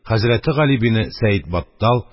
Хәзрәти гали бине сәедбаттал,